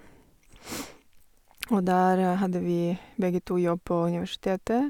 Og der hadde vi begge to jobb på universitetet.